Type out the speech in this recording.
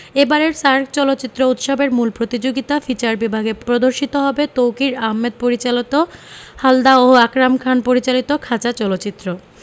এবারের সার্ক চলচ্চিত্র উৎসবের মূল প্রতিযোগিতা ফিচার বিভাগে প্রদর্শিত হবে তৌকীর আহমেদ পরিচালত হালদা ও আকরাম খান পরিচালিত খাঁচা চলচ্চিত্র